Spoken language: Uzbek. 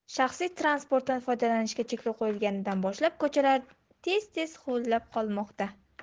shaxsiy transportdan foydalanishga cheklov qo'yilganidan boshlab ko'chalar tez tez huvullab qolmoqda